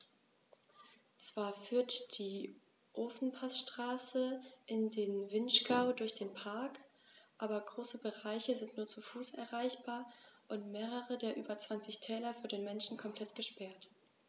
Zwar führt die Ofenpassstraße in den Vinschgau durch den Park, aber große Bereiche sind nur zu Fuß erreichbar und mehrere der über 20 Täler für den Menschen komplett gesperrt.